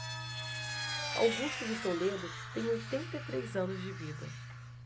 augusto de toledo tem oitenta e três anos de vida